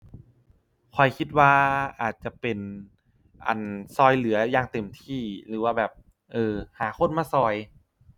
ข้อยคิดว่าอาจจะเป็น อั่น ช่วยเหลืออย่างเต็มที่ หรือว่าแบบ เอ่อ หาคนมาช่วย